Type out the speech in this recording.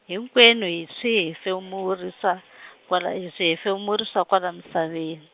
hinkwenu hi swihefemuri swa , kwala, h- hi swihefemuri swa kwala misaveni.